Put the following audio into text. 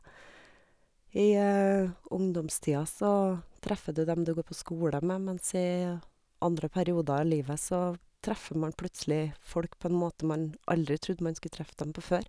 I ungdomstida så treffer du dem du går på skole med, mens i andre perioder av livet så treffer man plutselig folk på en måte man aldri trodde man skulle treffe dem på før.